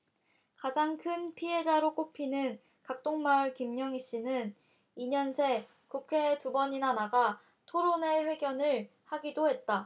가장 큰 피해자로 꼽히는 각동마을 김영희씨는 이 년 새 국회에 두 번이나 나가 토론회 회견을 하기도 했다